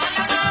d' accord